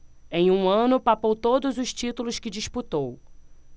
em um ano papou todos os títulos que disputou